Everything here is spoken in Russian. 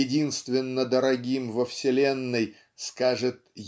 Единственно дорогим во вселенной Скажет